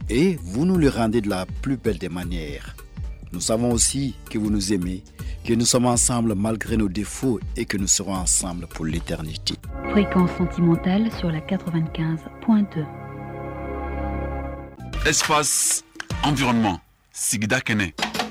Eeun le hadi la p bɛɛ dɛmɛnen yan musanma si ki sen min kesɔnma san malitigɛkɛr'w de fo eksɔn san polili diyara ni ci esfama sigida kɛnɛ